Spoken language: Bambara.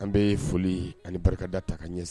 An bɛ foli ani barika da ta ka ɲɛsin